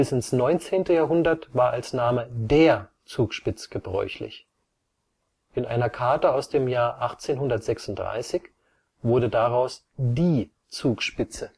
ins 19. Jahrhundert war als Name der Zugspitz gebräuchlich. In einer Karte aus dem Jahr 1836 wurde daraus die Zugspitze